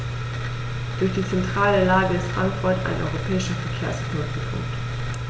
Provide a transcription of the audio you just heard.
Durch die zentrale Lage ist Frankfurt ein europäischer Verkehrsknotenpunkt.